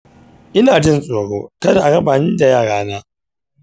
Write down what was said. ina jin tsoro kada a raba ni da yarana.